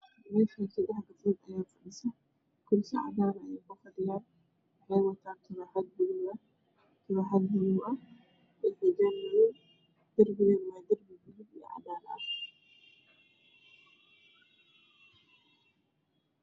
Meshan waxa fadhiyo sadax gabdhood kursi cadan ah ayey ku fadhiyan waxey watan turaxad gaduud ah iyo mid balog ah iyo xijaab madow ah dirbiganah waa balug iyo cadan ah